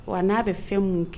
Wa n'a bɛ fɛn mun kɛ